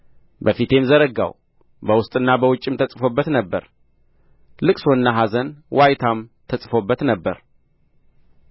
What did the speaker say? በፊቴም ዘረጋው በውስጥና በውጭም ተጽፎበት ነበር ልቅሶና ኀዘን ዋይታም ተጽፎበት ነበር